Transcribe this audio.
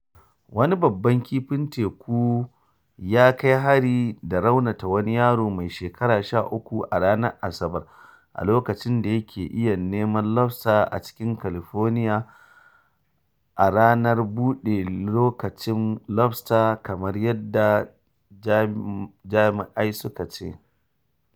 Wani babban kifin teku ya kai hari da raunata wani yaro mai shekaru 13 a ranar Asabar a lokacin da yake iyon neman losbter a cikin California a ranar buɗe lokacin lobster, kamar yadda jami’ai suka ce.